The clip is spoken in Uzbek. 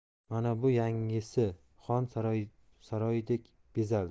mana bu yangisi xon saroyidek bezaldi